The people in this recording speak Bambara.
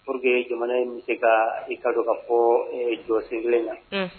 Pur que jamana in bɛ se ka i ka don ka fɔ jɔ sen na